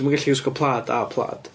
Ti'm yn gallu gwisgo plàd a plàd.